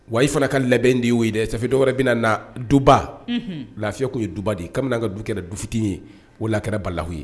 Wa i fana ka labɛn de y'o dɛ ça fait dɔ wɛrɛ bɛna na duba, unhun, lafiya tun ye duba de kabini an ka du kɛra du fitinin ye, o de la kɛra balalhu ye.